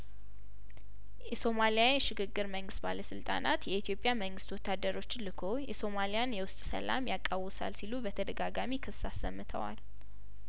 የሶማሊያየሽግግር መንግስት ባለስልጣናት የኢትዮጵያ መንግስት ወታደሮችን ልኮ የሶማሊያን የውስጥ ሰላም ያቃው ሳል ሲሉ በተደጋጋሚ ክስ አሰምተዋል